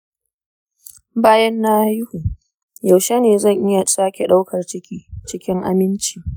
bayan na haihu, yaushe ne zan iya sake ɗaukar ciki cikin aminci?